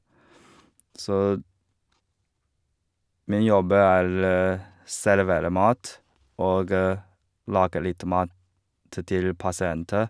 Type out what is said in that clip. Så min jobb er servere mat og lage litt mat til pasienter.